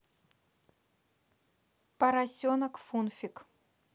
поросенок фунтик